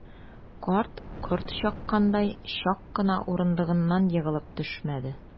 Карт, корт чаккандай, чак кына урындыгыннан егылып төшмәде.